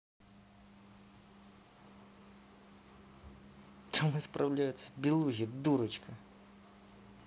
там исправляются белухи дурочка